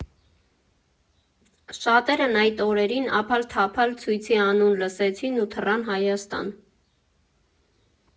Շատերն այդ օրերին ափալ֊թափալ ցույցի անուն լսեցին ու թռան Հայաստան.